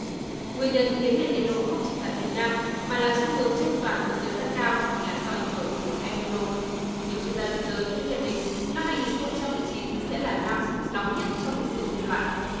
nguyên nhân khiến nền nhiệt độ không chỉ tại việt nam mà là xu hướng trên toàn thế giới tăng cao là do ảnh hưởng của e ni nô nhiều chuyên gia thế giới cũng nhận định năm hai nghìn không trăm mười chín sẽ là năm nóng nhất trong lịch sử nhân loại